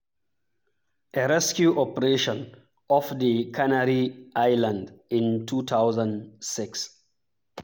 A rescue operation off the Canary Islands in 2006.